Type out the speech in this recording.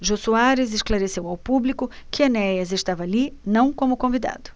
jô soares esclareceu ao público que enéas estava ali não como convidado